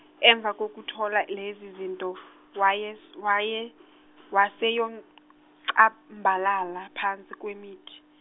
emva kokuthola lezi zinto wayes- waye- waseyocambalala phansi kwemithi.